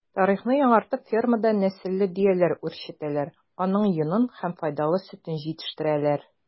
Тарихны яңартып фермада нәселле дөяләр үчретәләр, аның йонын һәм файдалы сөтен җитештерәләр.